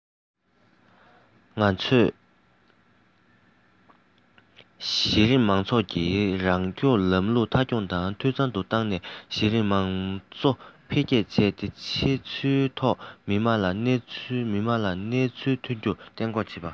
ང ཚོས གཞི རིམ མང ཚོགས ཀྱི རང སྐྱོང ལམ ལུགས མཐའ འཁྱོངས དང འཐུས ཚང དུ བཏང ནས གཞི རིམ དམངས གཙོ འཕེལ རྒྱས བཏང སྟེ ཕྱི ཚུལ ཐོག མི དམངས ལ སྣང ཚུལ ཐོན རྒྱུ གཏན འགོག བྱེད དགོས